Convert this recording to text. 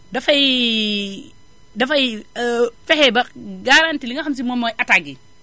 dafay dafay fexe ba garanti li nga xam si moom mooy attaques yi